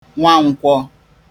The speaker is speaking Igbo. Nwankwọ